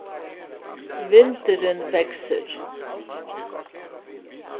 vindurin veksur